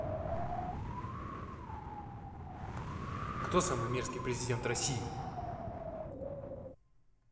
кто самый мерзкий президент россии